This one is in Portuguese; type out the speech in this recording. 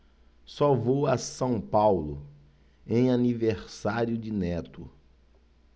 só vou a são paulo em aniversário de neto